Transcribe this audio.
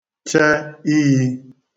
che iyī